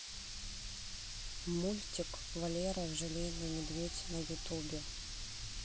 мультик валера желейный медведь на ютубе